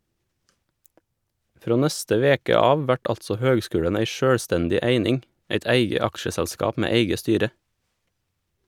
Frå neste veke av vert altså høgskulen ei sjølvstendig eining, eit eige aksjeselskap med eige styre.